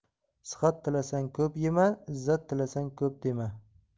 sihat tilasang ko'p yema izzat tilasang ko'p dema